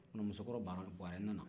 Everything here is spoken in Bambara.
musokura buawɛ nana